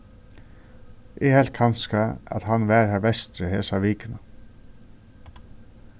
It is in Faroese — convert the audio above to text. eg helt kanska at hann var har vesturi hesa vikuna